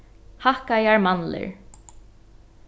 hakkaðar mandlur